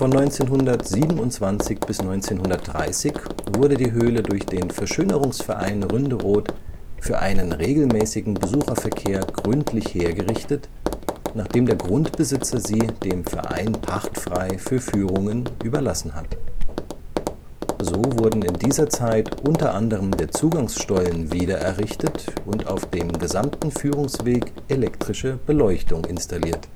1927 bis 1930 wurde die Höhle durch den Verschönerungsverein Ründeroth für einen regelmäßigen Besucherverkehr gründlich hergerichtet, nachdem der Grundbesitzer sie dem Verein pachtfrei für Führungen überlassen hatte. So wurden in dieser Zeit unter anderem der Zugangsstollen wiedererrichtet und auf dem gesamten Führungsweg elektrische Beleuchtung installiert